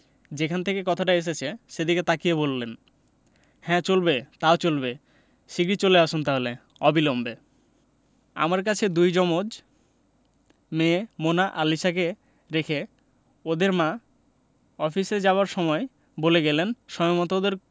যেখান থেকে কথাটা এসেছে সেদিকে তাকিয়ে বললেন হ্যাঁ চলবে তাও চলবে শিগগির চলে আসুন তাহলে অবিলম্বে আমার কাছে দুই জমজ মেয়ে মোনা আর লিসাকে রেখে ওদের মা অফিসে যাবার সময় বলে গেলেন সময়মত ওদের